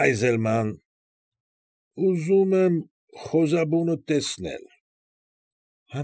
Այզելման, ուզում եմ խոզաբունդ տեսնել։ ֊